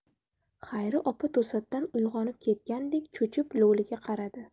xayri opa to'satdan uyg'onib ketgandek cho'chib lo'liga qaradi